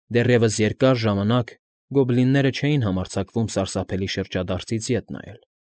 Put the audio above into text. Դեռևս երկար ժամանակ գոբլինները չէին համարձակվում սարսափելի շրջադարձից ետ նայել։